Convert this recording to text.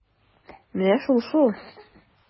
Менә шул-шул!